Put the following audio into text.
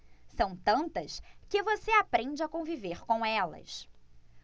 são tantas que você aprende a conviver com elas